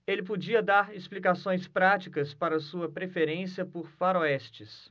ele podia dar explicações práticas para sua preferência por faroestes